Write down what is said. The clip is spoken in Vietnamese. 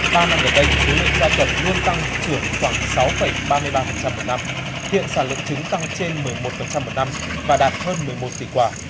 ba năm gần đây thì số lượng gia cầm luôn tăng trưởng khoảng sáu phẩy ba mươi ba phần trăm một năm hiện sản lượng trứng tăng trên mười một phần trăm một năm và đạt hơn mười một tỷ quả